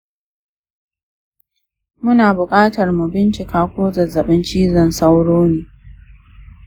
muna buƙatar mu bincika ko zazzaɓin cizon sauro ne